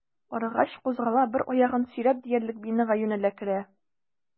Арыгач, кузгала, бер аягын сөйрәп диярлек бинага юнәлә, керә.